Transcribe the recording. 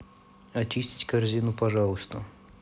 очистить корзину пожалуйста